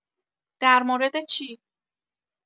درمورد چی؟